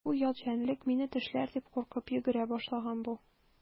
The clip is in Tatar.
Бу ят җәнлек мине тешләр дип куркып йөгерә башлаган бу.